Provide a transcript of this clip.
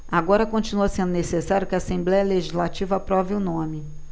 agora continua sendo necessário que a assembléia legislativa aprove o nome